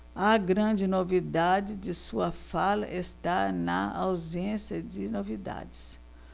a grande novidade de sua fala está na ausência de novidades